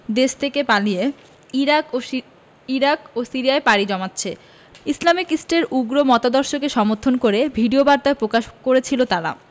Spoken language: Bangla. দেশ থেকে পালিয়ে ইরাক সিরিয়ায় পাড়ি জমাচ্ছে ইসলামিক স্টের উগ্র মতাদর্শকে সমর্থন করে ভিডিওবার্তাও পকাশ করছিল তারা